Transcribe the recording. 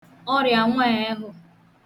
ọrịa nwẹèhụ̀